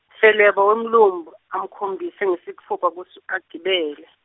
Feleba wemlumbi, amkhombise ngesitfupha kutsi agibele.